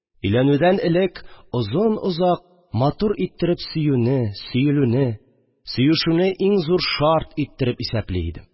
Өйләнүдән элек озын-озак, матур иттереп сөюне, сөелүне, сөешүне иң зур шарт иттереп исәпли идем